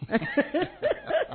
San